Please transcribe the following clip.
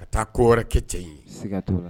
Ka taa kɔɔri kɛ cɛ ye